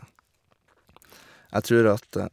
Jeg trur at...